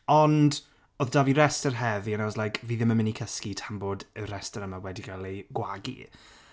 Ond oedd 'da fi rhestr heddi and I was like fi ddim yn mynd i cysgu tan bod y rhestr yma wedi cael ei gwagu.